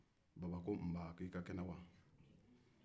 baba ko nba i ka kɛnɛ wa